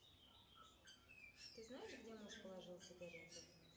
ты знаешь где муж положил сигареты